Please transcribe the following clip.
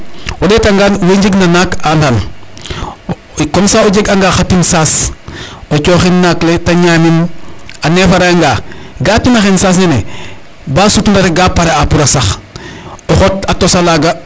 O ɗeetangaan we njegna naak a andan comme ca o jeg'anga a xa tim saas o cooxin naak le ta ñaamin a nefere'anga ga'aa xa tim axe saas nene ba sutuna rek ga pare a pour a sax o xot a tos alaaga o ret yipin no qol la.